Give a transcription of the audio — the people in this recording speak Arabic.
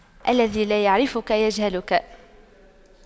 الذي لا يعرفك يجهلك